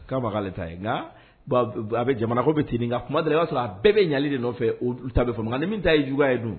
Kaa ma k'ale ta ye ŋaa a be jamana ko b ten de nka kumadɔ la i b'a sɔrɔ a bɛɛ bɛ ɲɛli de nɔfɛ oo olu ta bɛ famu nka ni min ta ye juguya ye dun